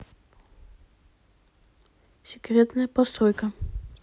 секретная постройка